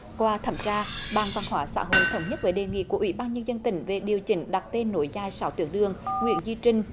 qua thẩm tra ban văn hóa xã hội thống nhất với đề nghị của ủy ban nhân dân tỉnh về điều chỉnh đặt tên nối dài sáu tuyến đường nguyễn duy trinh